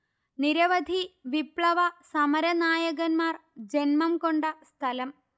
നിരവധി വിപ്ലവ സമരനായകന്മാർ ജന്മം കൊണ്ട സ്ഥലം